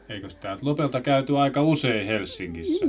eikös täältä Lopelta käyty aika usein Helsingissä